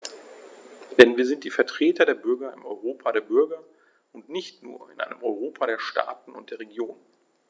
Denn wir sind die Vertreter der Bürger im Europa der Bürger und nicht nur in einem Europa der Staaten und der Regionen.